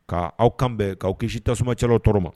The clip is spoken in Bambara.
' aw kan bɛn k'aw kisi tasumacɛ tɔɔrɔ ma